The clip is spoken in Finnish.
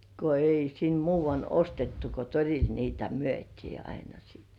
kun ei sinne muuanne ostettu kun torilla niitä myytiin aina sitten